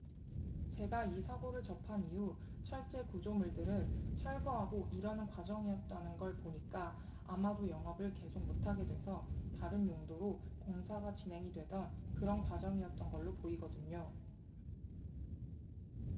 제가 이 사고를 접한 이후 철제구조물들을 철거하고 이러는 과정이었다는 걸 보니까 아마도 영업을 계속 못하게 돼서 다른 용도로 공사가 진행이 되던 그런 과정이었던 걸로 보이거든요